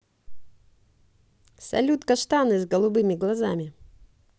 салют каштаны с голубыми глазами